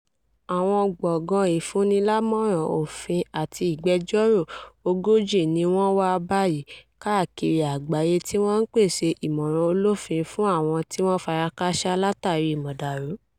Àwọn Gbọ̀ngán Ìfúnnilámọ̀ràn Òfin àti Ìgbẹjọ́rò 40 ni wọ́n wà báyìí káàkiri àgbáyé tí wọ́n ń pèsè ìmọ̀ràn olófin fún àwọn tí wọ́n ti fara káásá látààrí mọ̀dàrú.